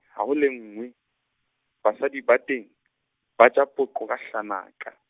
ha ho lenngwe, basadi ba teng, ba ja poqo ka hlanaka.